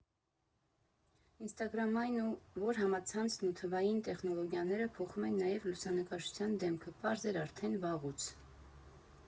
Ինստագրամ Այն որ համացանցն ու թվային տեխնոլոգիաները փոխում են նաև լուսանկարչության դեմքը, պարզ էր արդեն վաղուց։